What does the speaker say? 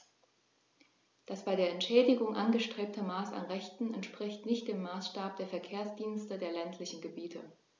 Das bei der Entschädigung angestrebte Maß an Rechten entspricht nicht dem Maßstab der Verkehrsdienste der ländlichen Gebiete.